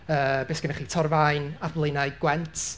yy be sy gynna chi, Torfaen a Blaenau Gwent.